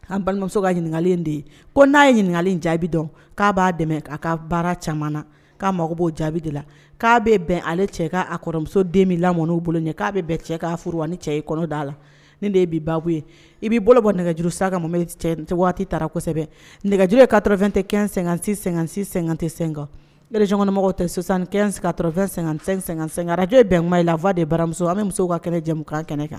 ' balimamuso ka ɲininkakalen de ye ko n'a ye ɲininkaka jaabi dɔn k'a b'a dɛmɛ' ka baara caman k'a mago b'o jaabi de la k'a bɛ bɛn ale cɛ k'a kɔrɔmuso den min la n' bolo ɲɛ k'a bɛ bɛn cɛ' furu ani ni cɛ ye kɔnɔ da a la ni de baa ye i b'i bolo bɔ nɛgɛjuru sa ka waati taara kosɛbɛ nɛgɛj ye karɔfɛn tɛ kɛ--- tɛ sen kansiɔnmɔgɔ tɛsanfɛn-sɛkaraj bɛnugan i la f'a de baramuso an bɛ muso ka kɛnɛ jamumukan kɛnɛ kan